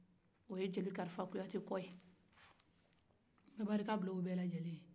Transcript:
o ye jeli karifa kuyate kɔ ye nbɛ barika bila u bɛ ye